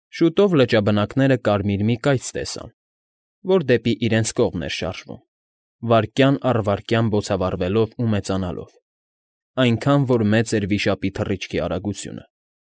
Շուտով լճաբնակները կարմիր մի կայծ տեսան, որ դեպի իրենց կողմն էր շարժվում, վայրկյան առ վայրկյան բոցավառվելով ու մեծանալով՝ այնքան որ մեծ էր վիշապի թռիչքի արագությունը։